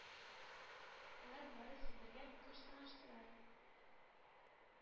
Алар барысы бергә көч сынаштылар.